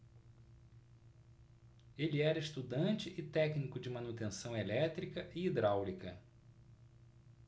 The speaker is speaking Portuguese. ele era estudante e técnico de manutenção elétrica e hidráulica